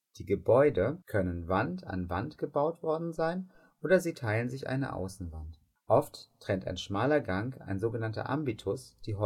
Die Gebäude können Wand an Wand gebaut worden sein, oder sie teilen sich eine Außenwand. Oft trennt ein schmaler Gang, ein so genannter ambitus die